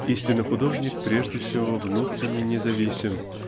Истинный художник прежде всего внутренне независим